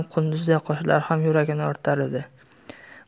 qunduzday qoshlari ham yuragini o'rtar edi